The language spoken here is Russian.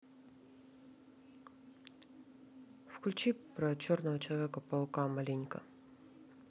включи про черного человека паука маленького